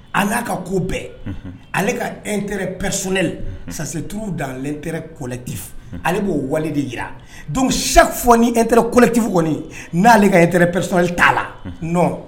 Ala ka ko bɛɛ ale ka eɛfunɛli sa tuuru dan kolɛti ale b'o wale de jira don sɛ fɔ ni elɛti kɔni n'ale ka e pɛrisli t'a la